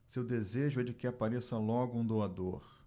seu desejo é de que apareça logo um doador